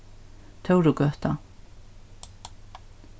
tórugøta